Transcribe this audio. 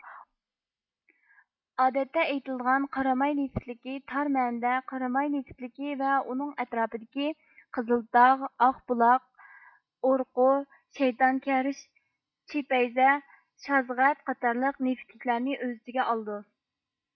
ئادەتتە ئېيتىلدىغان قاراماي نېفىتلىكى تار مەنىدە قاراماي نېفىتلىكى ۋە ئۇنىڭ ئەتراپىدىكى قىزىلتاغ ئاقبۇلاق ئۇرقۇ شەيتان كەرش چېپەيزە شازغەت قاتارلىق نېفىتلىكلەرنى ئۆز ئىچىگە ئالىدۇ